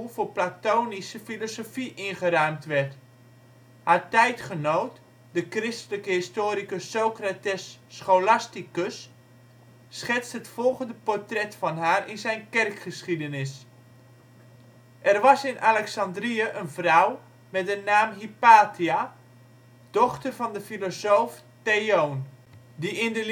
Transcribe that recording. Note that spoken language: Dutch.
voor platonische filosofie ingeruimd werd. Haar tijdgenoot, de christelijke historicus Socrates Scholasticus, schetst het volgende portret van haar in zijn Kerkgeschiedenis: Er was in Alexandrië een vrouw met de naam Hypatia, dochter van de filosoof Theoon, die in